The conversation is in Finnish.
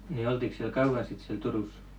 niin oltiinkos siellä kauan sitten siellä Turussa